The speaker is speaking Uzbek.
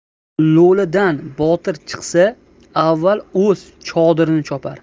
lo'lidan botir chiqsa avval o'z chodirini chopar